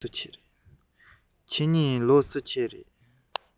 ང རང གཉིས སུ ལོ ཆེ བ ཡོད ན